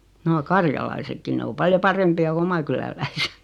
no karjalaisetkin ne on paljon parempia kuin oman kyläläiset